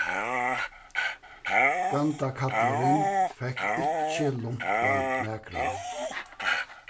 gandakallurin fekk ikki lumpað nakran